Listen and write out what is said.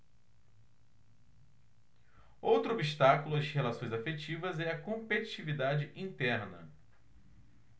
outro obstáculo às relações afetivas é a competitividade interna